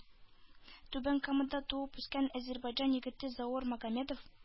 Түбән Камада туып-үскән әзербайҗан егете Заур Магомедов